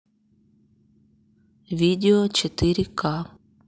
видео четыре к